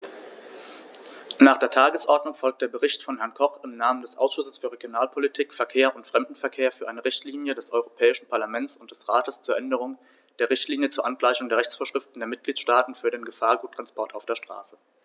Nach der Tagesordnung folgt der Bericht von Herrn Koch im Namen des Ausschusses für Regionalpolitik, Verkehr und Fremdenverkehr für eine Richtlinie des Europäischen Parlament und des Rates zur Änderung der Richtlinie zur Angleichung der Rechtsvorschriften der Mitgliedstaaten für den Gefahrguttransport auf der Straße.